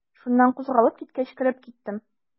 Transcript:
Шуннан кузгалып киткәч, кереп киттем.